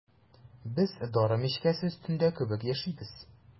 Без дары мичкәсе өстендә кебек яшибез.